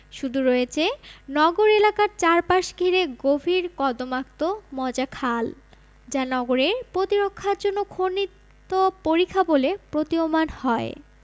শুধু রয়েছে নগর এলাকার চারপাশ ঘিরে গভীর কর্দমাক্ত মজা খাল যা নগরের প্রতিরক্ষার জন্য খনিত পরিখা বলে প্রতীয়মান হয়